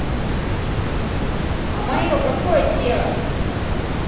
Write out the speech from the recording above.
а мое какое дело